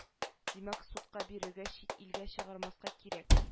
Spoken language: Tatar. Димәк судка бирергә чит илгә чыгармаска кирәк